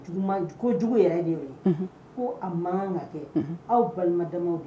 Ko a man ka kɛ aw balima bɛ